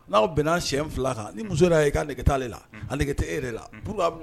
N'aw bɛn sɛ fila kan ni muso e